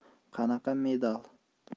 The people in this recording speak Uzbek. qanaqa medal